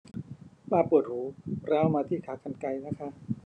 ป้าปวดหูร้าวมาที่ขากรรไกรนะคะ